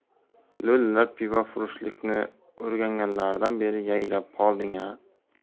lo'lilar pivofurushlikni o'rganganlaridan beri yayrab qolding a